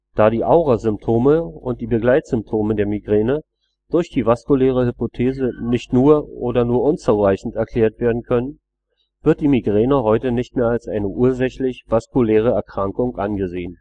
Da die Aurasymptome und die Begleitsymptome der Migräne durch die vaskuläre Hypothese nicht oder nur unzureichend erklärt werden können, wird die Migräne heute nicht mehr als eine ursächlich vaskuläre Erkrankung angesehen